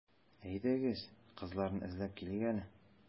Әйдәгез, кызларны эзләп килик әле.